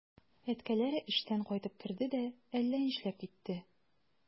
Әткәләре эштән кайтып керде дә әллә нишләп китте.